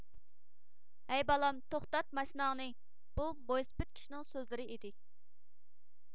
ھەي بالام توختات ماشىناڭنى بۇ مويسىپىت كىشىنىڭ سۆزلىرى ئىدى